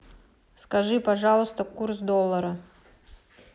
скажи пожалуйста курс доллара